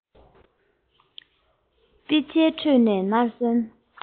དཔེ ཆའི ཁྲོད ནས ནར སོན